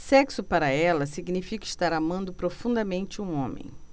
sexo para ela significa estar amando profundamente um homem